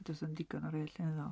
Does na'm digon o rai llenyddol.